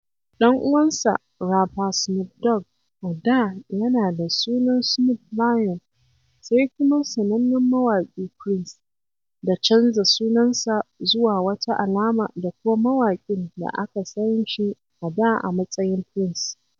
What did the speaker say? Ɗan uwansa rapper Snoop Dogg a da yana da sunan Snoop Lion sai kuma sanannen mawaƙi Prince, da canza sunansa zuwa wata alama da kuma mawaƙin da aka san shi a da a matsayin Prince.